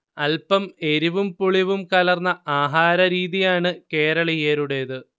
അല്പം എരിവും പുളിവും കലർന്ന ആഹാരരീതിയാണ് കേരളീയരുടേത്